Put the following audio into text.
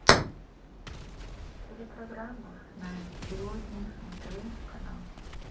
телепрограмма на сегодня нтв канал